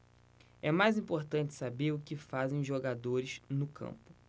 é mais importante saber o que fazem os jogadores no campo